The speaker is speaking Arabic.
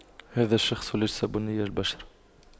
هذا الشخص ليس بني البشرة